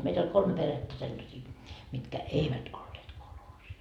meitä oli kolme perhettä sellaisia mitkä eivät olleet kolhoosissa